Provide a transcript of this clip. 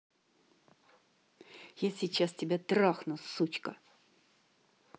я сейчас тебя трахну сучка